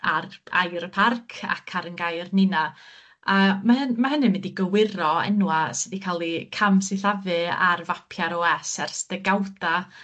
ar air y parc ac ar 'yn gair ninna a ma' hynn- ma' hynny'n mynd i gywiro enwa' sy 'di ca'l 'u camsillafu ar fapia'r Owe Ess ers degawda